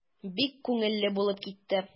Бик күңелле булып китте.